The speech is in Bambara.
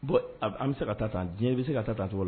Bon an bɛ se ka taa diɲɛ i bɛ se ka taa tɔgɔ la